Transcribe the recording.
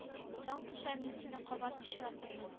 Таң туса мин сине кабат очратырмын